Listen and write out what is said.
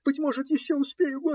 Быть может, еще успею.